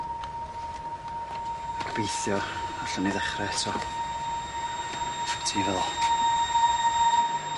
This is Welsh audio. Gobeithio allwn ni ddechre eto. Ti'n feddwl?